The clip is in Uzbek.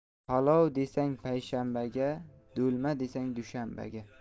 palov desang payshanbaga do'lma desang dushanbaga